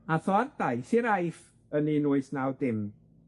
Ath o ar daith i'r Aiff yn un wyth naw dim,